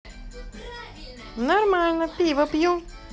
нормально пиво пью